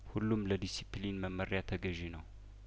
ሁሉም ለዲሲፕሊን መመሪያ ተገዢ ነው